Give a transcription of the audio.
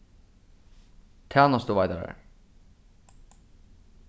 tænastuveitarar